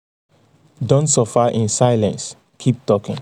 Don’t suffer in silence — keep talking